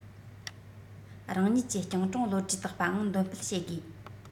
རང ཉིད ཀྱི སྤྱང གྲུང བློ གྲོས དག པའང འདོན སྤེལ བྱེད དགོས